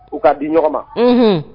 U ka di ɲɔgɔn ma h